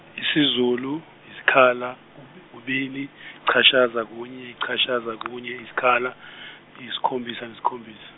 isiZulu isikhala kubi- kubili cashaza kunye cashaza kunye yisikhalayisikhombisa yisikhombisa.